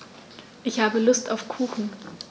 Ich habe Lust auf Kuchen.